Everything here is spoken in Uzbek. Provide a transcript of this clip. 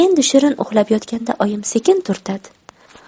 endi shirin uxlab yotganda oyim sekin turtadi